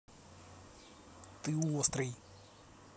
ты острый